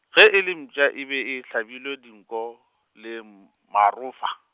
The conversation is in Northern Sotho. ge e le mpša e be e hlabilwe dinko, le m- marofa.